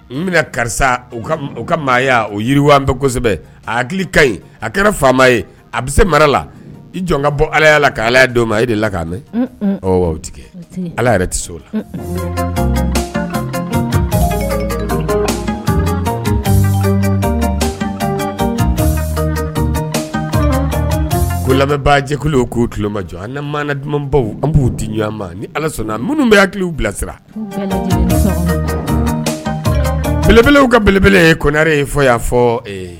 N bɛna karisa u ka maaya o yiriwa an bɛ kosɛbɛ a hakili ka ɲi a kɛra faama ye a bɛ se mara la jɔn ka bɔ ala la' ala' ma e de la k'a mɛn tigɛ ala yɛrɛ tɛ' la ko lamɛnbaajɛkulu k'u ki tulolomajɔ an mana dumanbaw an b'u di ɲɔgɔn ma ni ala sɔnna minnu bɛ hakili bilasira belebelew ka belebele koɛre ye fɔ y'a fɔ